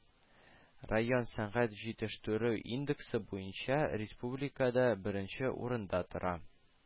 Район сәнәгать җитештерү индексы буенча Республикада беренче урында тора